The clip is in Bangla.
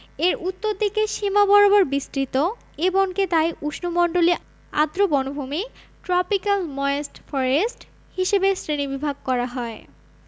এর উত্তর দিকের সীমা বরাবর বিস্তৃত এ বনকে তাই উষ্ণমন্ডলীয় আর্দ্র বনভূমি ট্রপিক্যাল ময়েস্ট ফরেস্ট হিসেবে শ্রেণিবিভাগ করা হয়